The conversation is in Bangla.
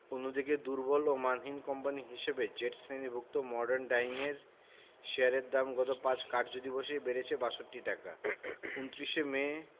অন্যদিকে দুর্বল ও মানহীন কোম্পানি হিসেবে জেড শ্রেণিভুক্ত মর্ডান ডায়িংয়ের শেয়ারের দাম গত ৫ কার্যদিবসেই বেড়েছে ৬২ টাকা ২৯ মে